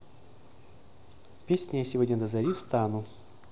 песня я сегодня до зари встану